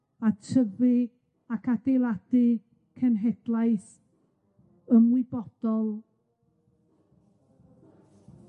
a tyfu ac adeiladu cenhedlaeth ymwybodol.